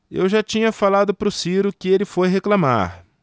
eu já tinha falado pro ciro que ele foi reclamar